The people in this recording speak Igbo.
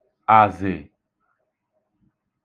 àzị̀